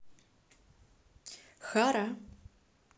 хара